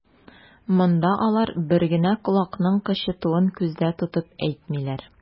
Монда алар бер генә колакның кычытуын күздә тотып әйтмиләр.